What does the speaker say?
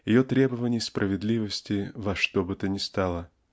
ее требований справедливости во что бы то ни стало.